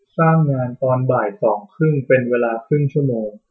สร้างงานตอนบ่ายสองครึ่งเป็นเวลาครึ่งชั่วโมง